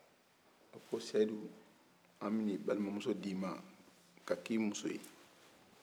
a' ko sɛyidu an bina i balima muso di ma ka ki muso ye